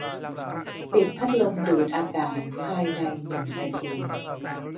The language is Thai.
ปิดพัดลมดูดอากาศภายในหนึ่งนาที